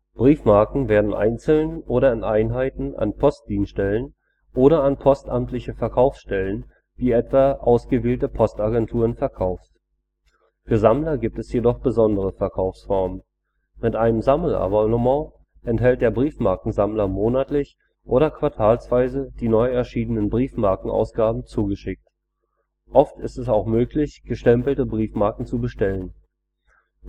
Briefmarken werden einzeln oder in Einheiten an Postdienststellen oder an postamtliche Verkaufsstellen, wie etwa ausgewählte Postagenturen verkauft. Für Sammler gibt es jedoch besondere Verkaufsformen. Mit einem Sammelabonnement erhält der Briefmarkensammler monatlich oder quartalsweise die neu erschienen Briefmarkenausgaben zugeschickt. Oft ist es auch möglich, gestempelte Briefmarken zu bestellen. Briefmarkenabonnements